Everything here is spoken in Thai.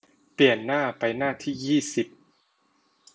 เปลี่ยนหน้าไปหน้าที่ยี่สิบ